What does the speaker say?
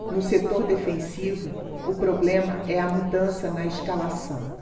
no setor defensivo o problema é a mudança na escalação